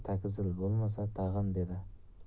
zil bo'lmasin tag'in dedi